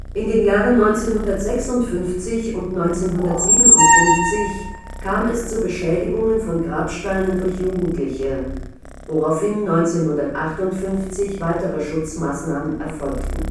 In den Jahren 1956 und 1957 kam es zu Beschädigungen von Grabsteinen durch Jugendliche, woraufhin 1958 weitere Schutzmaßnahmen erfolgten